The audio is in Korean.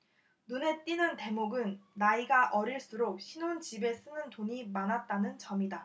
눈에 띄는 대목은 나이가 어릴수록 신혼집에 쓰는 돈이 많았다는 점이다